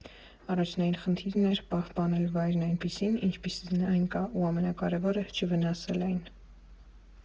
Առաջնային խնդիրն էր պահպանել վայրն այնպիսին, ինչպիսին այն կա ու, ամենակարևորը, չվնասել այն.